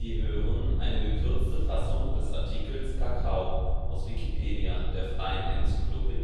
hören den Artikel Kakao, aus Wikipedia, der freien Enzyklopädie